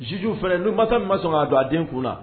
juges fɛnɛ ni masa min ma sɔn ka don a den kun na.